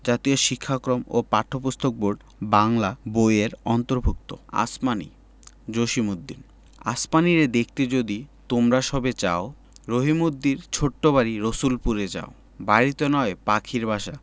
জাতীয় শিক্ষাক্রম ও পাঠ্যপুস্তক বোর্ড বাংলা বই এর অন্তর্ভুক্ত আসমানী জসিমউদ্দিন আসমানীরে দেখতে যদি তোমরা সবে চাও রহিমদ্দির ছোট্ট বাড়ি রসুলপুরে যাও বাড়িতো নয় পাখির বাসা